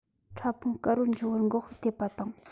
ཕྲ ཕུང དཀར བོ འབྱུང བར འགོག ཤུགས ཐེབས པ དང